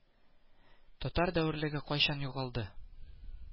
Татар дәверлеге кайчан югалды